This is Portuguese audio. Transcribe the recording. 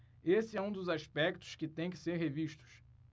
esse é um dos aspectos que têm que ser revistos